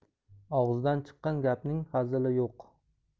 og'izdan chiqqan gapning hazili yo'q